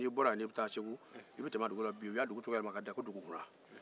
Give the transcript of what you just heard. n'i bɔra yan k'i be taa segou i be tɛmɛ a dugu la bi u y'a dugu tɔgɔ yɛlɛma ko dugukura